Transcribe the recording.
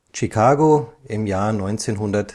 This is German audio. Chicago 1936: Der